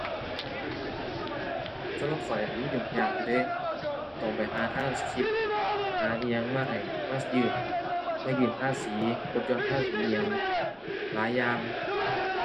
สำหรับข้อยนั้นมันยุ่งยากอยู่เดะ ต้องไปหาทรานสกริปต์ หาอิหยังมาให้ มายื่น มายื่นภาษีลดหย่อนภาษีอิหยัง หลายอย่าง